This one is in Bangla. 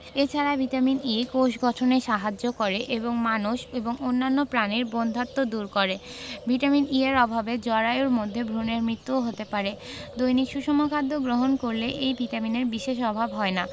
এ ছাড়া ভিটামিন E কোষ গঠনে সাহায্য করে এবং মানুষ এবং অন্যান্য প্রাণীর বন্ধ্যাত্ব দূর করে ভিটামিন E এর অভাবে জরায়ুর মধ্যে ভ্রুনের মৃত্যুও হতে পারে দৈনিক সুষম খাদ্য গ্রহণ করলে এই ভিটামিনের বিশেষ অভাব হয় না